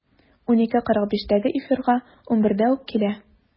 12.45-тәге эфирга 11-дә үк килә.